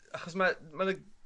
achos ma' ma' n'w